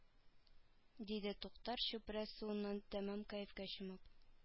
Диде туктар чүпрә суыннан тәмам кәефкә чумып